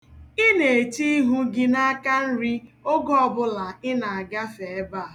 Ị na-eche ihu gị n'aka nri oge ọbụla ị na-agafe ebe a.